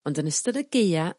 ond yn ystod y Gaea